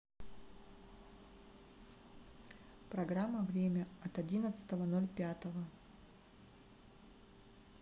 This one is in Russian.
программа время от одиннадцатого ноль пятого